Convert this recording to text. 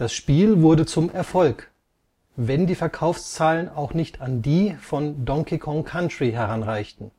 Spiel wurde zum Erfolg, wenn die Verkaufszahlen auch nicht an die von Donkey Kong Country heranreichten